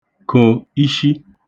kò ishi